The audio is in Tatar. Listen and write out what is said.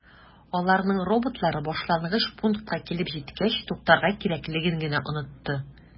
Аларның роботлары башлангыч пунктка килеп җиткәч туктарга кирәклеген генә “онытты”.